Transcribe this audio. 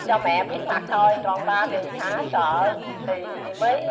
cho mẻ bít mặt thôi còn ba thì á hả sợ thì ớ mới